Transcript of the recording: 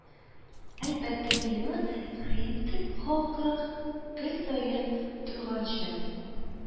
Әлбәттә, миллион һинд халкы көн саен туйганчы